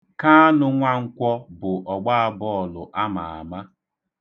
Kaanụ Nwankwọ bụ ọgbaabọọlụ a ma ama.